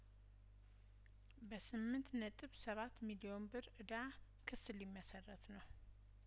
በስምንት ነጥብ ሰባት ሚሊዮን ብር እዳ ክስ ሊመሰረት ነው